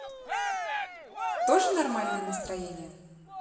тоже нормальное настроение